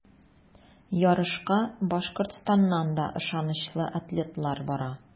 Ярышка Башкортстаннан да ышанычлы атлетлар бара.